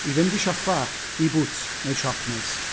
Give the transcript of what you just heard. I fynd i siopa, i Boots, neu siop neis.